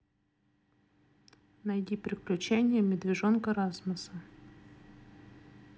найди приключения медвежонка расмоса